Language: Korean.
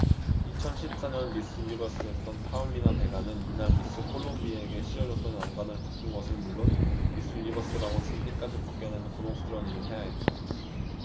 이천 십 사 년 미스 유니버스였던 파울리나 베가는 이날 미스 콜롬비아에게 씌워줬던 왕관을 벗긴 것은 물론 미스 유니버스라고 쓴 띠까지 벗겨내는 곤혹스런 일을 해야 했다